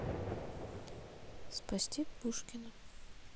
спасти пушкина